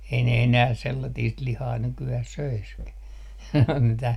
ei ne enää sellaista lihaa nykyään söisikään mitä